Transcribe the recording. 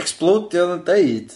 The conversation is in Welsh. Ecsblowdio o'dd o'n deud.